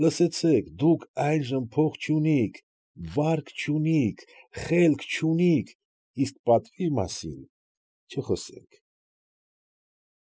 Լսեցե՛ք, դուք այժմ փող չունիք, վարկ չունիք, խելք չունիք, իսկ պատվի մասին չխոսենք։